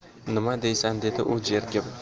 nima deysan dedi u jerkib